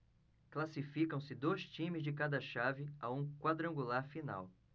classificam-se dois times de cada chave a um quadrangular final